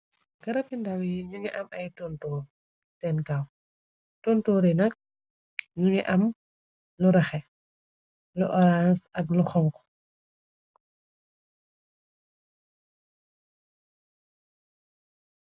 Garabindaw yi ñungi am ay tontor seen kaaw, tontoori nak ñungi am lu refet, lu orange ak lu xonxo.